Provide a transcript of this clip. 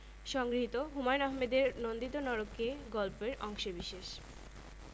সংগৃহীত হুমায়ুন আহমেদের নন্দিত নরকে গল্প এর অংশবিশেষ